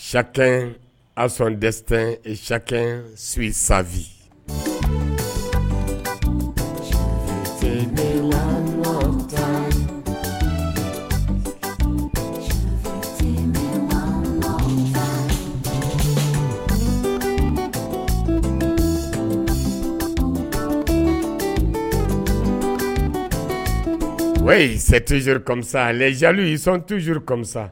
Sikɛ ason dɛsɛ sikɛ su san v wa sɛ teuru kɔmisa ale lezli i son tjuru kɔmisa